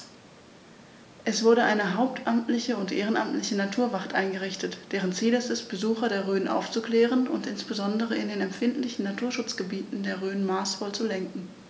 Es wurde eine hauptamtliche und ehrenamtliche Naturwacht eingerichtet, deren Ziel es ist, Besucher der Rhön aufzuklären und insbesondere in den empfindlichen Naturschutzgebieten der Rhön maßvoll zu lenken.